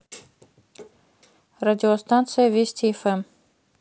радиостанция вести фм